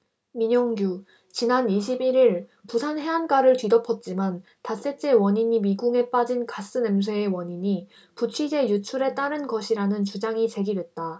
민영규 지난 이십 일 일 부산 해안가를 뒤덮었지만 닷새째 원인이 미궁에 빠진 가스 냄새의 원인이 부취제 유출에 따른 것이라는 주장이 제기됐다